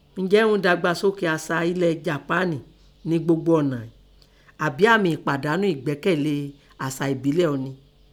Ǹjẹ́ ún ẹ̀dàgbàsókè àsà elẹ̀ Jàpáànì nẹ gbogbo ọ̀nà ín àbí àmì ẹ̀pàdánù ègbẹ́kẹ̀lé àsà ebílẹ̀ ọni?